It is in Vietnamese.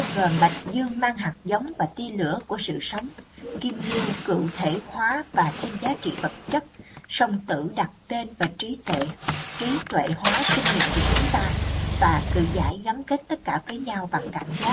bạch dương mang hạt giống và tia lửa của sự sống kim ngưu cụ thể hóa và thêm giá trị vật chất song tử đặt tên và trí tuệ hóa kinh nghiệm của chúng ta và cự giải gắn kết tất cả với nhau bằng cảm giác